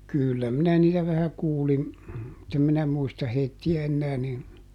kyllä minä niitä vähän kuulin mutta en minä muista heitä enää niin